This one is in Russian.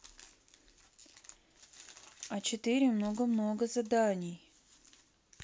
а четыре много много заданий